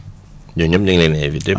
ñooñu ñëpp ñu ngi leen di invité